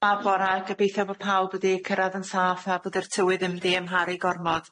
... bora gobeithio bo pawb wedi cyrradd yn saff a bod yr tywydd 'im 'di amharu gormod.